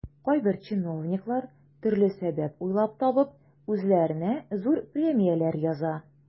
Кайбер чиновниклар, төрле сәбәп уйлап табып, үзләренә зур премияләр яза.